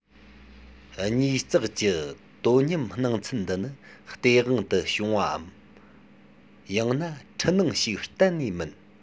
ཉིས བརྩེགས ཀྱི དོ མཉམ སྣང ཚུལ འདི ནི སྟེས དབང དུ བྱུང བའམ ཡང ན འཁྲུལ སྣང ཞིག གཏན ནས མིན